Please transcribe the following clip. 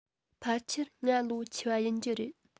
ཕལ ཆེར ང ལོ ཆེ བ ཡིན རྒྱུ རེད